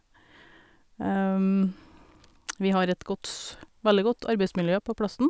Vi har et godt veldig godt arbeidsmiljø på plassen.